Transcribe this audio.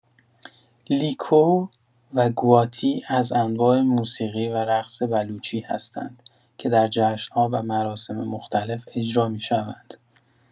لیکو و گواتی از انواع موسیقی و رقص بلوچی هستند که در جشن‌ها و مراسم مختلف اجرا می‌شوند.